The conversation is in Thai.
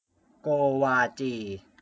โกวาจี